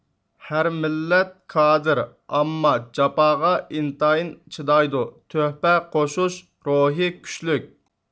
ھەر مىللەت كادىر ئامما جاپاغا ئىنتايىن چىدايدۇ تۆھپە قوشۇش روھى كۈچلۈك